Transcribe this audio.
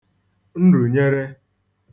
nrùnyere